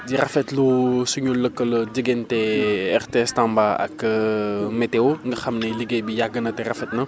di rafetlu suñu lëkkaloo diggante RTS Tamba ak météo nga xam ne liggéey bi yàgg na te rafet na